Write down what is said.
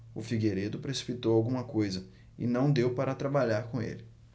o figueiredo precipitou alguma coisa e não deu para trabalhar com ele